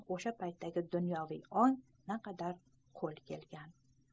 o'sha paytdagi dunyoviy ong naqadar qo'l kelgan